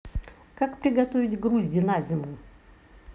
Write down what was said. как приготовить грузди на зиму